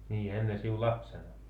niin ennen sinulla lapsena